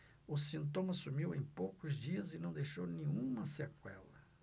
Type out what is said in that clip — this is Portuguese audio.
o sintoma sumiu em poucos dias e não deixou nenhuma sequela